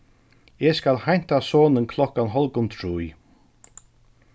eg skal heinta sonin klokkan hálvgum trý